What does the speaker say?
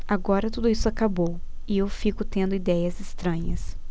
agora tudo isso acabou e eu fico tendo idéias estranhas